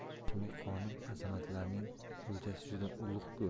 qosimbek quvonib azamatlarning o'ljasi juda ulug' ku